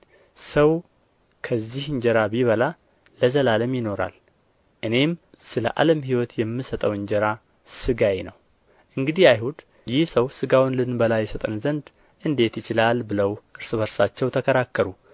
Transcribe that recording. ሰው ከዚህ እንጀራ ቢበላ ለዘላለም ይኖራል እኔም ስለ ዓለም ሕይወት የምሰጠው እንጀራ ሥጋዬ ነው እንግዲህ አይሁድ ይህ ሰው ሥጋውን ልንበላ ይሰጠን ዘንድ እንዴት ይችላል ብለው እርስ በርሳቸው ተከራከሩ